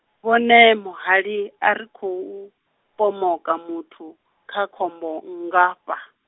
vhone muhali, a ri khou, pomoka muthu, kha khombo nngafha.